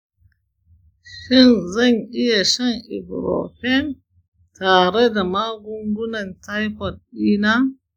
shin zan iya shan ibuprofen tare da magungunan taifoid dina?